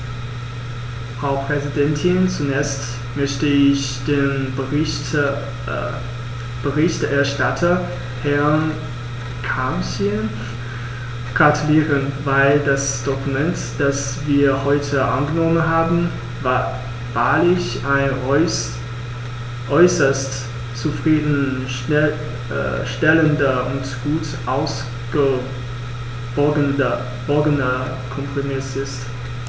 Frau Präsidentin, zunächst möchte ich dem Berichterstatter Herrn Cancian gratulieren, weil das Dokument, das wir heute angenommen haben, wahrlich ein äußerst zufrieden stellender und gut ausgewogener Kompromiss ist.